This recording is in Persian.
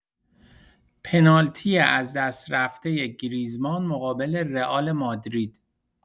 پنالتی از دست رفته گریزمان مقابل رئال مادرید